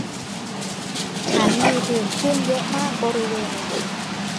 ฉันมีผื่นขึ้นเยอะมากบริเวณหลัง